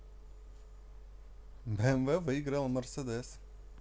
bmw выиграла мерседес